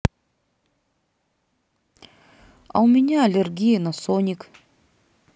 а у меня алергия на sonic